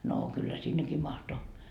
no kyllä sinnekin mahtui